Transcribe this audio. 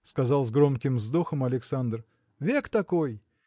– сказал с громким вздохом Александр, – век такой.